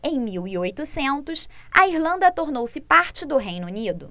em mil e oitocentos a irlanda tornou-se parte do reino unido